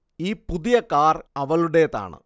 ഈ പുതിയ കാർ അവളുടെതാണ്